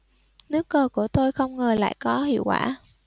nước cờ của tôi không ngờ lại có hiệu quả